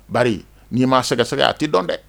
Ba n'i ma sɛgɛsɛgɛ a tɛ dɔn dɛ